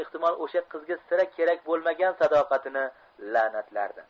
ehtimol o'sha qizga sira kerak bo'lmagan sadoqatini la'natlardi